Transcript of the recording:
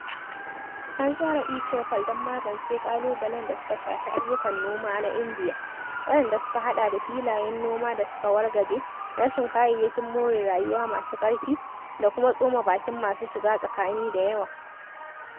An tsara e-Choupal don magance ƙalubalen da suka shafi ayyukan noma na Indiya, waɗanda suka haɗa da filayen noma da suka wargaje, rashin kayayyakin more rayuwa masu ƙarfi, da kuma tsoma bakin masu shiga tsakani da yawa...